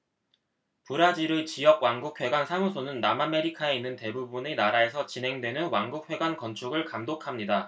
브라질의 지역 왕국회관 사무소는 남아메리카에 있는 대부분의 나라에서 진행되는 왕국회관 건축을 감독합니다